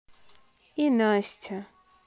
и настя